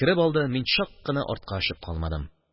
Сикереп алды, мин чак кына артка очып калмадым.